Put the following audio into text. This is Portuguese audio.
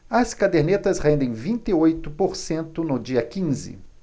as cadernetas rendem vinte e oito por cento no dia quinze